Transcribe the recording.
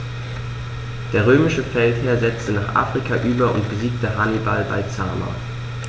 Der römische Feldherr setzte nach Afrika über und besiegte Hannibal bei Zama.